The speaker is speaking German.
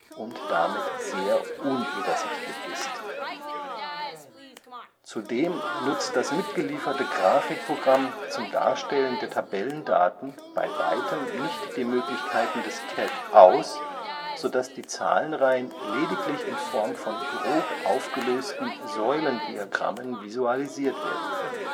und damit sehr unübersichtlich ist. Zudem nutzt das mitgelieferte Grafikprogramm zum Darstellen der Tabellendaten bei weitem nicht die Möglichkeiten des TED aus, so dass die Zahlenreihen lediglich in Form von grob aufgelösten Säulendiagrammen visualisiert werden können